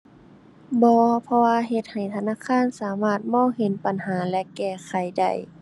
บ่ เพราะว่าเฮ็ดให้ธนาคารสามารถมองเห็นปัญหาและแก้ไขได้